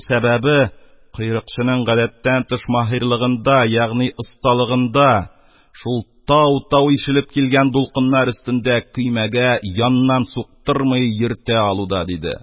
Сәбәбе койрыкчының гадәттән тыш маһирлегендә, ягъни осталыгында шул тау-тау ишелеп килгән дулкыннар өстендә көймәгә яннан суктырмый йөртә алуда, диде.